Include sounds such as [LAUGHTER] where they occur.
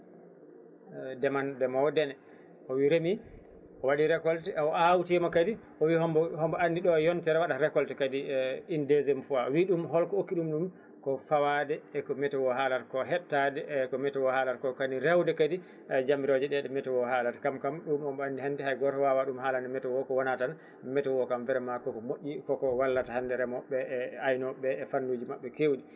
[HESITATION] ndemowo ndene o wi reemi o waɗi récolté o awtima kadi o wi hombo hombo andi ɗo e yontere o waɗa récolté kadi une deuxiéme fois wi ɗum holko hokkiɗum ɗum ko fawade eko météo halata ko heettade eko météo haalata ko kadi rewde kadi jamiroje ɗe ɗe météo haalata kadi kam ɗum omo andi hande haygoto waawa ɗum haalande météo ko wona tan météo kam vraiment koko moƴƴi koko wallata hande remoɓe e aynoɓe e fannuji mabɓe kewɗi